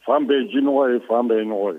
Fan bɛɛ ye jinɔgɔ ye fan bɛɛ ye nɔgɔ ye